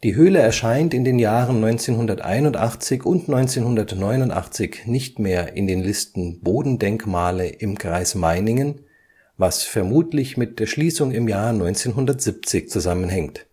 Höhle erscheint in den Jahren 1981 und 1989 nicht mehr in den Listen Bodendenkmale im Kreis Meiningen, was vermutlich mit der Schließung im Jahre 1970 zusammenhängt